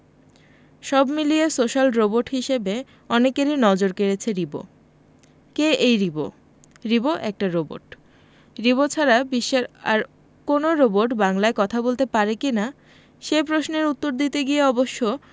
সব মিলিয়ে social robot হিসেবে অনেকেরই নজর কেড়েছে রিবো কে এই রিবো রিবো একটা রোবট রিবো ছাড়া বিশ্বের আর কোনো রোবট বাংলায় কথা বলতে পারে কি না সে প্রশ্নের উত্তর দিতে গিয়ে অবশ্য